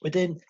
wedyn